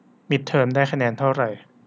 มิดเทอมได้คะแนนเท่าไหร่